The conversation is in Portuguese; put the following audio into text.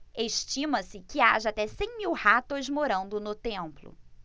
estima-se que haja até cem mil ratos morando no templo